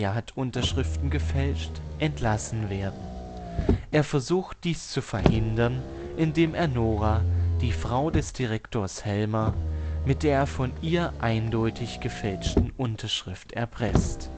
hat Unterschriften gefälscht) entlassen werden. Er versucht dies zu verhindern, indem er Nora, die Frau des Direktors Helmer, mit der von ihr eindeutig gefälschten Unterschrift erpresst